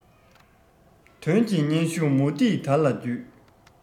དོན གྱི སྙན ཞུ མུ ཏིག དར ལ བརྒྱུས